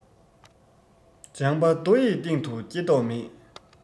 ལྗང པ རྡོ ཡི སྟེང དུ སྐྱེ མདོག མེད